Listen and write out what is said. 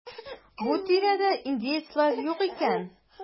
Бу тирәдә индеецлар юк икән.